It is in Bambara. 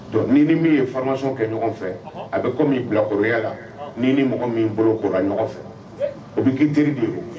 Don ni ni min ye faramasɔn kɛ ɲɔgɔn fɛ a bɛ kɔ min bilakoroya la ni ni mɔgɔ min bolo kɔrɔ ɲɔgɔn fɛ o bɛ kɛ jiri de don